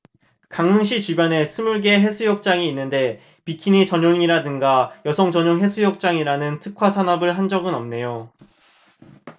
강릉시 주변에 스물 개 해수욕장이 있는데 비키니 전용이라든가 여성 전용 해수욕장이라는 특화사업을 한 적은 없네요